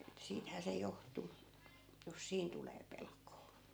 että siitähän se johtui jos siinä tulee pelkoa